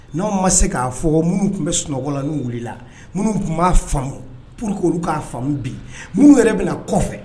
N'aw ma se k'a fɔ minnu tun bɛ sunɔgɔla n'u wulila minnu tun m'a faamu -- pour que olu k'a faamu bi minnu yɛrɛ bɛna kɔfɛ